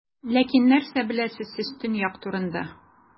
Ләкин нәрсә беләсез сез Төньяк турында?